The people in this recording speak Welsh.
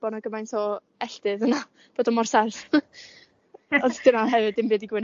bo' 'na gymaint o elldydd yna bod mor serth ond 'di hynna hefyd ddim byd